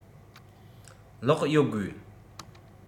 གློག ཡོད དགོས